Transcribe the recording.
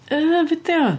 Yy be 'di o?